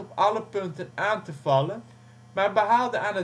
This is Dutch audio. alle punten aan te vallen, maar behaalde aan